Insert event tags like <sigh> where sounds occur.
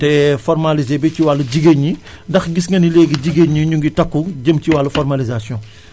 te <hesitation> formalisé bi <noise> ci wàllu jigéen ñi ndax gis nga ni léegi <noise> jigéen ñi ñu ngi takku jëm ci wàllu <noise> formalisation